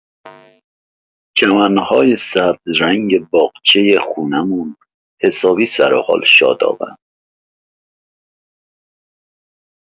چمن‌های سبزرنگ باغچه خونه‌مون حسابی سرحال و شادابن.